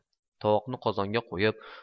tovoqni qozonga qo'yib